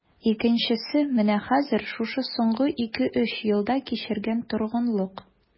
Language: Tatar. Икенчесе менә хәзер, шушы соңгы ике-өч елда кичергән торгынлык...